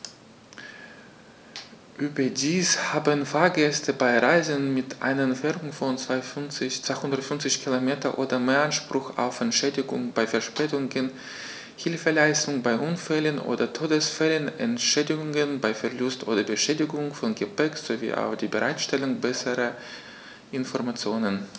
Überdies haben Fahrgäste bei Reisen mit einer Entfernung von 250 km oder mehr Anspruch auf Entschädigung bei Verspätungen, Hilfeleistung bei Unfällen oder Todesfällen, Entschädigung bei Verlust oder Beschädigung von Gepäck, sowie auf die Bereitstellung besserer Informationen.